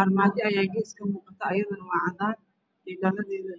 armaajo ayaa deys ka muuqatl iyadana cadaan iyo dhalageyda.